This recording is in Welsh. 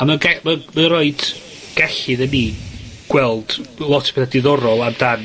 A ma' ge- yy mae o roid gellu iddyn ni gweld lot o beth diddorol am dan